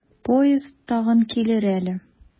Поезд тагын килер әле.